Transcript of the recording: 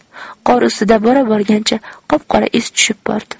qor ustida bora borgancha qop qora iz tushib bordi